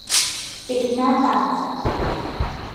ปิดหน้าต่างสามบาน